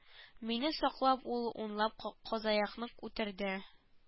Мине саклап ул унлап казаякны үтерде